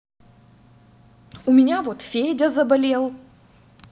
у меня вот федя заболел